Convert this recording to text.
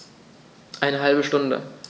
Eine halbe Stunde